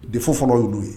Defaut fɔlɔ ye olu ye